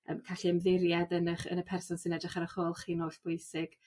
yym gallu ymddiried yn 'ych yn y person sy'n edrych ar 'ych ôl chi'n holl bwysig.